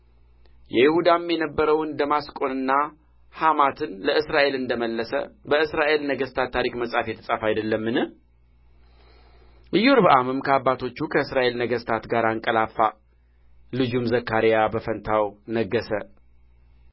የይሁዳ የነበረውን ደማስቆንና ሐማትን ለእስራኤል እንደ መለሰ በእስራኤል ነገሥታት ታሪክ መጽሐፍ የተጻፈ አይደለምን ኢዮርብዓምም ከአባቶቹ ከእስራኤል ነገሥታት ጋር አንቀላፋ ልጁም ዘካርያ በፋንታው ነገሠ